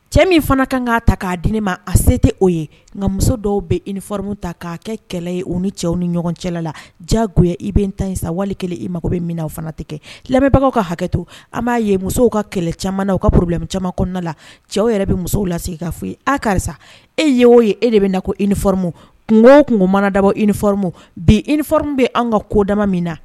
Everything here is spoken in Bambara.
Cɛ min fana kan'a ta k'a di ne ma a se tɛ o ye nka muso dɔw bɛ i ni fɔmu ta k' kɛ kɛlɛ ye u ni cɛw ni ɲɔgɔn cɛla la jago i bɛ n ta in sa wali kelen i mako bɛ min o fana tɛ kɛ labɛnbagaw ka hakɛ to an b'a ye musow ka kɛlɛ caman u ka pbilami caman kɔnɔna la cɛw yɛrɛ bɛ musow la se kaa fɔ a karisa e ye o ye e de bɛ na ko i nimu kun kun mana dabɔ i nimu bi i ni bɛ an ka kodama min na